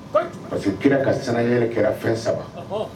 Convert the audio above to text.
Pa que kira ka sina kɛra fɛn saba